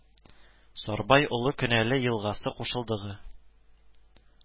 Сарбай Олы Кенәле елгасы кушылдыгы